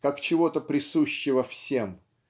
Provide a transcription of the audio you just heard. как чего-то присущего всем